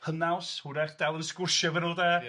hynaws hwyrach dal yn sgwrsio efo nhw de. Ie.